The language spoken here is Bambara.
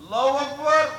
Naamu ko